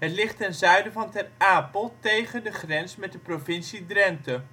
ligt ten zuiden van Ter Apel tegen de grens met de provincie Drenthe